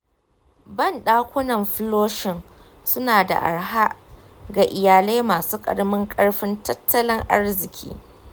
bandakunan flushin suna da arha ga iyalai masu ƙaramin ƙarfin tattalin arziki?